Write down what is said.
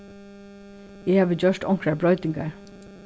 eg havi gjørt onkrar broytingar